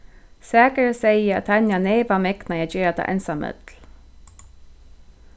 sakaris segði at tanja neyvan megnaði at gera tað einsamøll